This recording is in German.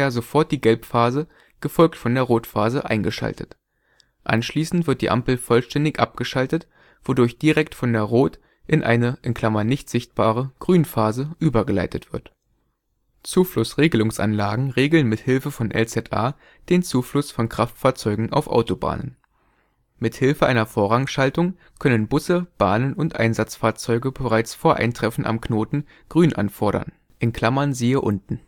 sofort die Gelb-Phase, gefolgt von der Rot-Phase eingeschaltet. Anschließend wird die Ampel vollständig abgeschaltet, wodurch direkt von der Rot - in eine (nicht sichtbare) Grün-Phase übergeleitet wird. Zuflussregelungsanlagen regeln mit Hilfe von LZA den Zufluss von Kraftfahrzeugen auf Autobahnen. Mit Hilfe einer Vorrangschaltung können Busse, Bahnen und Einsatzfahrzeuge bereits vor Eintreffen am Knoten Grün anfordern (siehe unten